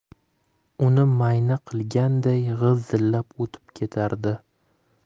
uni mayna qilganday g'izillab o'tib ketardi